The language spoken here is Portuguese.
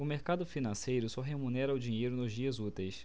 o mercado financeiro só remunera o dinheiro nos dias úteis